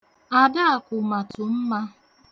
Adakụ matụ mma.